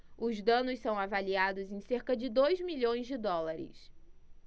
os danos são avaliados em cerca de dois milhões de dólares